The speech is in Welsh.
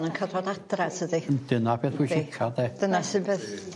...yn ca'l dod adre tydi? Yndi 'na'r peth pwysica 'de. Dyna sy'n peth